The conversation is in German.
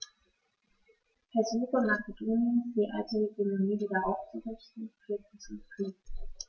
Versuche Makedoniens, die alte Hegemonie wieder aufzurichten, führten zum Krieg.